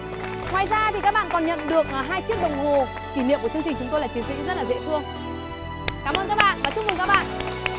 ngoài ra thì các bạn còn nhận được hai chiếc đồng hồ kỷ niệm của chương trình chúng tôi là chiến sĩ rất là dễ thương cám ơn các bạn và chúc mừng các bạn